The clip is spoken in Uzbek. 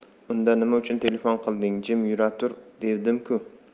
unda nima uchun telefon qilding jim yuratur devdim ku